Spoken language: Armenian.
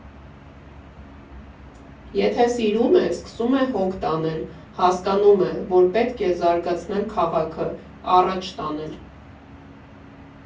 Եթե սիրում է, սկսում է հոգ տանել, հասկանում է, որ պետք է զարգացնել քաղաքը, առաջ տանել։